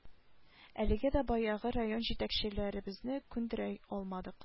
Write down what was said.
Әлеге дә баягы район җитәкчеләребезне күндерә алмадык